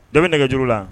Dɔ bɛ nɛgɛjuru la